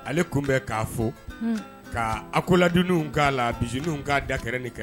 Ale tunbɛn k'a fo ka ako ladw k'a la binininw k'a da kɛrɛn ni kɛ